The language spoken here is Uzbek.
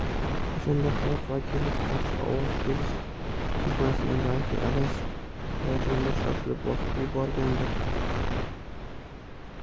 o'shanda xalq vakili qarshi ovoz berish tugmasini balki adashib hayajonda shoshilib bosib yuborgandir